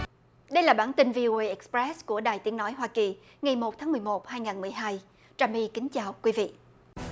đây là bản tin vi ô ây ích pờ rét của đài tiếng nói hoa kỳ ngày một tháng mười một hai ngàn mười hai trà my kính chào quý vị